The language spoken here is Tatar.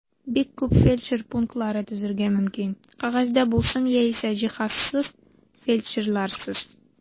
Бик күп фельдшер пунктлары төзергә мөмкин (кәгазьдә булсын яисә җиһазсыз, фельдшерларсыз).